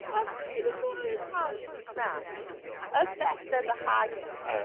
Mate he's not an Italian snack. At best as a haggis.